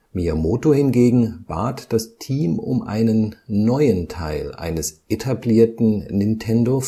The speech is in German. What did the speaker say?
Miyamoto hingegen bat das Team um einen neuen Teil eines etablierten Nintendo-Franchise